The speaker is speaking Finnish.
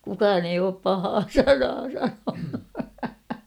kukaan ei ole pahaa sanaa sanonut